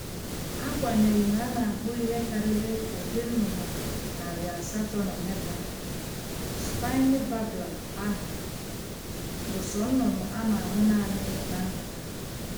Agbanyeghị na a na-ahụ ihe kariri ụdị nnụnnụ 800 na Nepal, Spiny Babbler ahụ (Turdoides nipalensis) bụ sọ nnụnnụ a na-ahụ naanị na mba ahu.